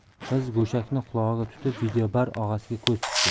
qiz go'shakni qulog'iga tutib videobar og'asiga ko'z tikdi